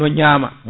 no ñaama